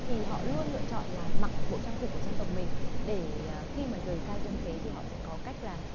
thì họ luôn lựa chọn là mặc bộ trang phục của dân tộc mình để khi mà rời xa dương thế thì họ sẽ có cách là